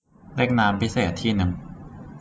เล็กน้ำพิเศษที่นึง